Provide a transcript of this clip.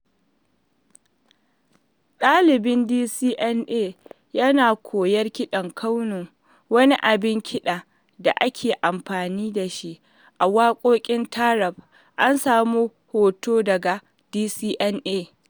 ɗalibin DCMA yana koyar kiɗan ƙanun, wani abin kiɗa da ake amfani da shi a waƙoƙin taarab. An samo hoton daga DCMA.